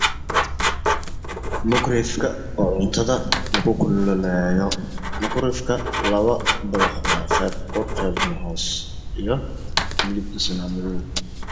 Waa mukureyfka lugu kululeeyo cuntada, mukureyfka waa labo dabaq le qeyb kor iyo qeyb hoose midabkiisu waa madow.